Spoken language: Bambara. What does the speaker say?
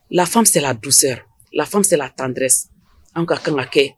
La femme, c'est la douceur, la femme, c'est la tendresse an ka kan ka kɛ